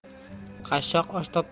qashshoq osh topgan